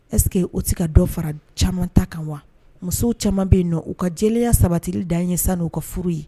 Ɛsseke u tɛ ka dɔ fara caman ta kan wa musow caman bɛ nɔ u ka jeliya sabatieli da ye san n' uu ka furu ye